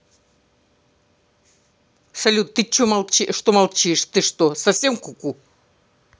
салют ты что молчишь ты что совсем куку